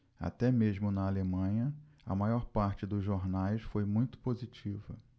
até mesmo na alemanha a maior parte dos jornais foi muito positiva